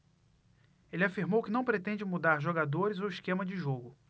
ele afirmou que não pretende mudar jogadores ou esquema de jogo